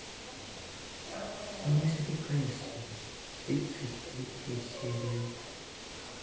не зарекайся тридцать третья серия